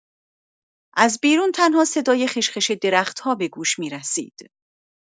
از بیرون تنها صدای خش‌خش درخت‌ها به گوش می‌رسید.